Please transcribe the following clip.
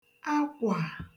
àkwà